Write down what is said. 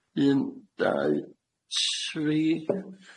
Un, dau, tri.